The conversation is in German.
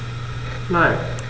Nein.